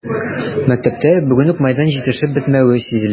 Мәктәптә бүген үк мәйдан җитешеп бетмәве сизелә.